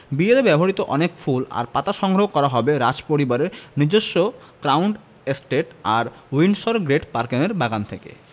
বিয়েতে ব্যবহৃত অনেক ফুল আর পাতা সংগ্রহ করা হবে রাজপরিবারের নিজস্ব ক্রাউন এস্টেট আর উইন্ডসর গ্রেট পার্কের বাগান থেকে